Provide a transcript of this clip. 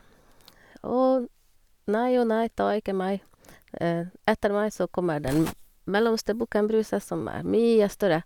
Å nei og nei, ta ikke meg, etter meg så kommer den m mellomste bukken Bruse, som er mye større.